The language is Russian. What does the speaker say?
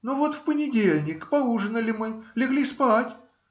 Ну вот, в понедельник, поужинали мы, легли спать.